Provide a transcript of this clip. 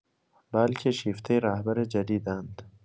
بلکه شیفته رهبر جدیدند.